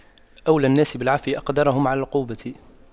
أولى الناس بالعفو أقدرهم على العقوبة